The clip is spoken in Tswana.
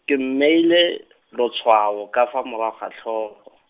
ke mmeile, lotshwao, ka fa morago tlhogo.